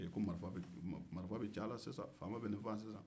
ko faama bɛ nin faa sisan